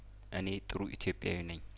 እኔ ጥሩ ኢትዮጵያዊ ነኝ